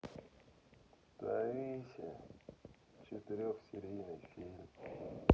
таисия четырехсерийный фильм